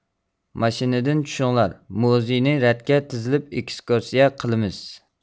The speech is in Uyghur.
ماشىنىدىن چۈشۈڭلار مۇزىينى رەتكە تىزىلىپ ئىكىسكۇرسىيە قىلىمىز